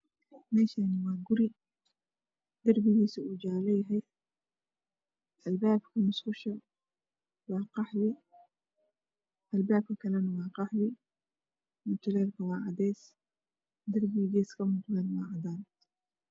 Meeshaani waa guri darbigiisa uu jaale yahay albaabka musqusha waa qaxwi albaabka kalane waa qaxwi mutuleelka waa cadays darbiga geeska mutuleelka waa cadaan